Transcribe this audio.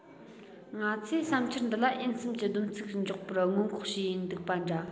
ང ཚོས བསམ འཆར འདི ལ འོས འཚམ གྱི བསྡོམས ཚིག འཇོག པར སྔོན འགོག བྱས འདུག པ འདྲ